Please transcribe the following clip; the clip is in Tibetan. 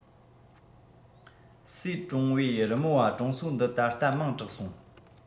གསེས ཀྲོང པའི རི མོ བ གྲོང ཚོ འདི ད ལྟ མིང གྲགས སོང